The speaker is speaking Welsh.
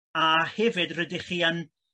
a hefyd rydych chi yn